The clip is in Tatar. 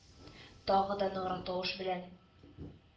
Тагы да ныграк тавыш белән: